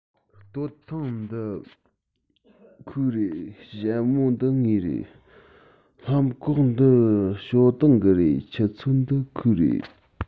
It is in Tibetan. སྟོད ཐུང འདི ཁོའི རེད ཞྭ མོ འདི ངའི རེད ལྷམ གོག འདི ཞའོ ཏིང གི རེད ཆུ ཚོད འདི ཁོའི རེད